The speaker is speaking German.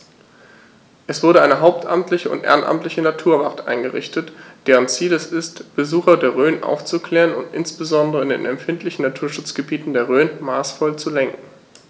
Es wurde eine hauptamtliche und ehrenamtliche Naturwacht eingerichtet, deren Ziel es ist, Besucher der Rhön aufzuklären und insbesondere in den empfindlichen Naturschutzgebieten der Rhön maßvoll zu lenken.